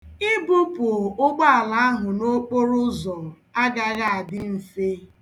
Ibupụ ụgbọala ahụ n'okporoụzọ agaghị adị mfe.